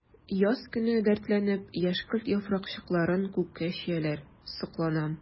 Яз көне дәртләнеп яшькелт яфракчыкларын күккә чөяләр— сокланам.